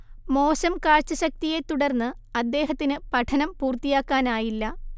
മോശം കാഴ്ച ശക്തിയെത്തുടർന്ന് അദ്ദേഹത്തിന് പഠനം പൂർത്തിയാക്കാനായില്ല